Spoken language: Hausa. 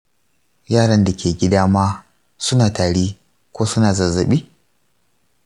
yaran da ke gida ma suna tari ko suna zazzaɓi?